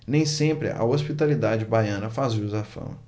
nem sempre a hospitalidade baiana faz jus à fama